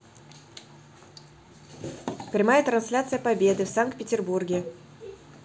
прямая трансляция победы в санкт петербурге